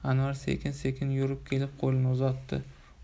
anvar sekin sekin yurib kelib qo'lini uzatdi